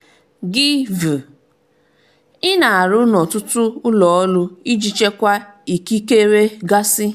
GV: Ị na-arụ n'ọtụtụ ụlọ ọrụ iji chekwa ikikere gasị.